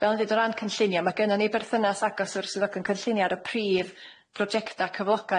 Fel o ni'n deud, o ran cynllunio ma' gynnon ni berthynas agos efo'r swyddogion cynllunio ar y prif brosiecta' cyflogau.